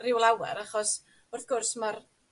ryw lawer achos wrth gwrs ma'r